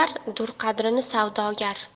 bilar dur qadrini savdogar